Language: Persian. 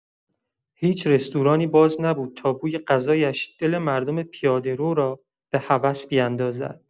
هیچ رستورانی باز نبود تا بوی غذایش دل مردم پیاده‌رو را به هوس بیندازد.